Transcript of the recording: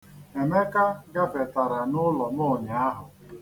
Emeka gafetara n'ụlọ m ụnyaahụ.